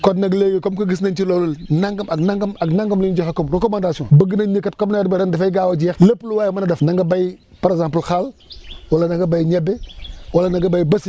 kon nag léegi comme que gis nañ ci loolu nangama ak nangam ak nangam yi ñu joxe comme recommandation bëgg nañ ni kat comme nawet bi ren dafay gaaw a jeex lépp lu waay mën a def na nga béy par exemple xaal wala na nga béy ñebe wala na ngabéy basi